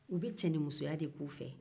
u bɛ cɛnimusoya de kɛ u fɛ